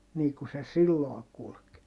niin kuin se silloin kulki